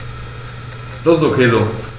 Das ist ok so.